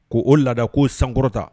K' o laada k'o sankɔrɔta